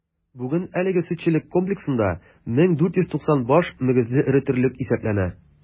Бүген әлеге сөтчелек комплексында 1490 баш мөгезле эре терлек исәпләнә.